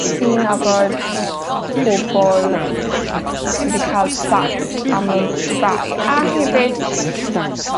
Fi'n nabod pobol sy wedi ca'l plant a ma' nw'n difaru. A hefyd